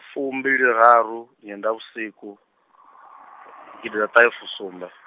fumbiliraru nyendavhusiku, gidiḓaṱahefusumbe.